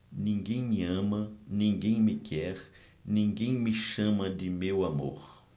ninguém me ama ninguém me quer ninguém me chama de meu amor